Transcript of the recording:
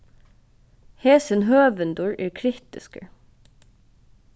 hesin høvundur er kritiskur